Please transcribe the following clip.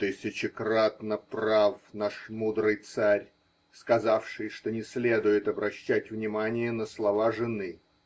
-- Тысячекратно прав наш мудрый царь, сказавший, что не следует обращать внимание на слова жены!